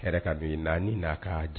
Gɛrɛ ka don n na, i n'a k'a